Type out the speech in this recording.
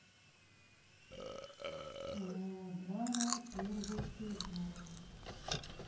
мылодрама первый сезон